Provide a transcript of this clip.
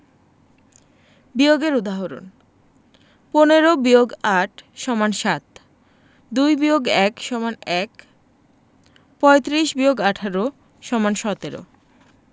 বিয়োগের উদাহরণ ১৫ – ৮ = ৭ ২ - ১ =১ ৩৫ – ১৮ = ১৭